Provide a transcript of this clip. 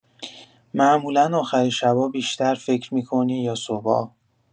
معمولا آخر شبا بیشتر فکر می‌کنی یا صبحا؟